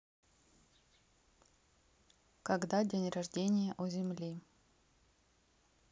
когда день рождения у земли